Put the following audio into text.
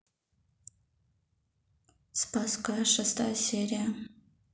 спасская шестая серия